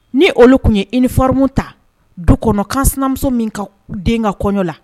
Ni olu tun ye uniforme ta du kɔnɔ kan sinamuso min ka den ka kɔɲɔ la